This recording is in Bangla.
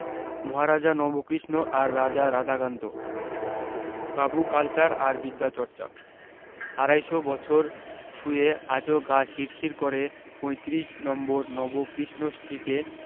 মহারাজা নবকৃষ্ণ আর রাজা রাধাকান্ত বাবু কালচার আর বিদ্যাচর্চা আড়াইশো বছর ছুঁয়ে আজও গা শির শির করে পঁয়ত্রিশ নম্বর নবকৃষ্ণ স্ট্রীটে